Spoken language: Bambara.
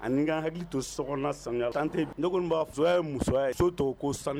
Ani n ka hakili to sok san sante ne' fɔ ye muso ye so to ko san